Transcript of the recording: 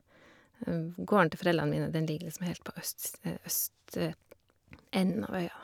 Gården til foreldrene mine, den ligger liksom helt på østs østenden av øya.